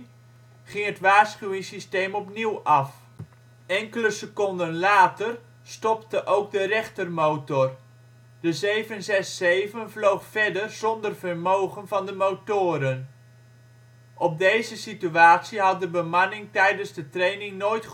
ging het waarschuwingssysteem opnieuw af. Enkele seconden later stopte ook de rechtermotor. De 767 vloog verder zonder vermogen van de motoren. Op deze situatie had de bemanning tijdens de training nooit